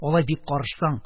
Алай бик каршылансаң,